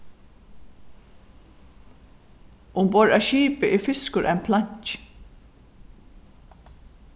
umborð á skipi er fiskur ein planki